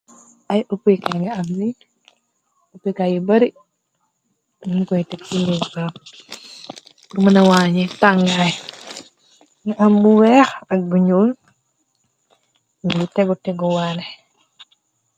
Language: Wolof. Ay upikay nga am nee upikay yu bari nyu ko tek si iofa ur muna waañi tàngai mu am lu weex am lu nuul mongi tegu tegu waale.